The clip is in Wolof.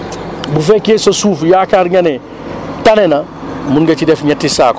bu fekkee sa suuf yaakaar nga ne tane na mun nga ci def ñetti saako